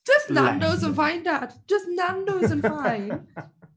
Just Nando's yn fine, Dad. Just Nando's yn fine.